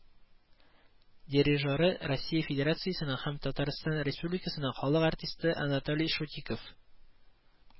Дирижеры Россия Федерациясенең һәм Тататрстан Республикасының халык артисты Анатолий Шутиков